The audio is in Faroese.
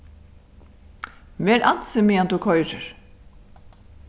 ver ansin meðan tú koyrir